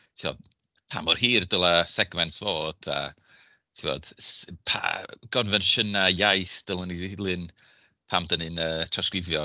Tiod pa mor hir dylai segments fod a timod s- pa gonfensiynau iaith dylen ni ddilyn pan dan ni yn yy trawsgrifio.